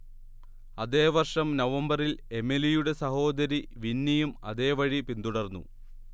അതേ വർഷം നവംബറിൽ എമിലിയുടെ സഹോദരി വിന്നിയും അതേവഴി പിന്തുടർന്നു